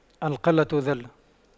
القلة ذلة